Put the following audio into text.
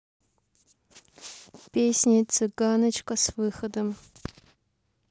песня цыганочка с выходом